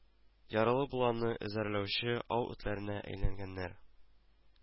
Яралы боланны эзәрләүче ау этләренә әйләнгәннәр